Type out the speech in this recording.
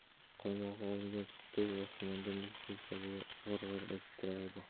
qaymog'i olingan sutdek osmonda muzdek shabada g'ir g'ir esib turar edi